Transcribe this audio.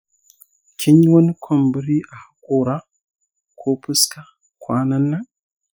kinyi wani kumburi a haƙora ko fuska kwanan nan?